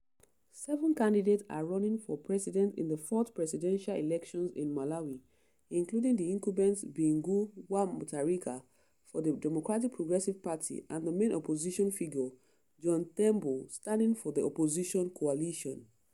Seven candidates are running for president in the fourth presidential elections in Malawi, including the incumbent Bingu wa Mutharika for the Democratic Progressive Party and the main opposition figure John Tembo, standing for the opposition coalition.